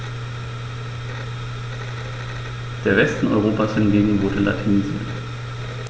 Der Westen Europas hingegen wurde latinisiert.